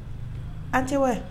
An tɛ wa